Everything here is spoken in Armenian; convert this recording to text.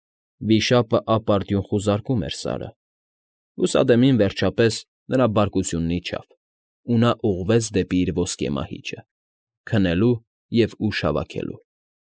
Վիշապն ապարդյուն խուզարկում էր Սարը, լուսադեմին, վերջապես, նրա բարկությունն իջավ, ու նա ուղղվեց դեպի իր ոսկե մահիճը՝ քնելու և ուժ հավաքելու։